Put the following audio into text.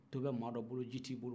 tu bɛ maa de bolo ji t'i bolo